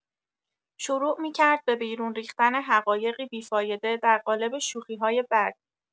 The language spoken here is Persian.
شروع می‌کرد به بیرون ریختن حقایقی بی‌فایده در قالب شوخی‌های بد.